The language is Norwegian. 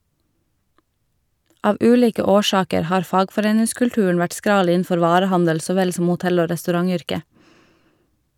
Av ulike årsaker har fagforeningskulturen vært skral innenfor varehandel så vel som hotell- og restaurantyrket.